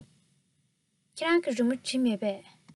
ཁྱེད རང གིས བྲིས མེད པས